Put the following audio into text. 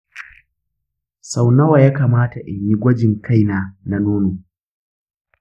sau nawa ya kamata in yi gwajin kaina na nono?